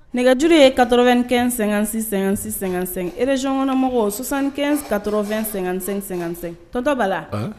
Nɛgɛjuru ye kato2 kɛɛn sɛgɛn-sɛ-sɛ-sɛ rezsonɔnmɔgɔw susan kaoro2--sɛ-sɛsɛ tɔtɔba la